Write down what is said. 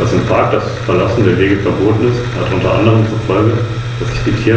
Das eigentliche Rückgrat der Verwaltung bildeten allerdings die Städte